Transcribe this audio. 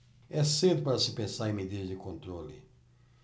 é cedo para se pensar em medidas de controle